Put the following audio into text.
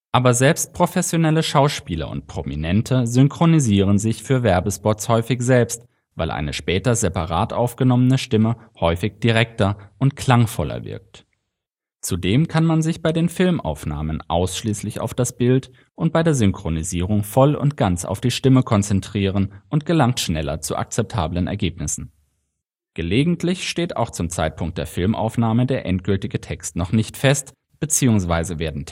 Aber selbst professionelle Schauspieler und Prominente synchronisieren sich für Werbespots häufig selbst, weil eine später separat aufgenommene Stimme häufig direkter und klangvoller wirkt. Zudem kann man sich bei den Filmaufnahmen ausschließlich auf das Bild und bei der Synchronisierung voll und ganz auf die Stimme konzentrieren und gelangt schneller zu akzeptablen Ergebnissen. Gelegentlich steht auch zum Zeitpunkt der Filmaufnahme der endgültige Text noch nicht fest bzw. werden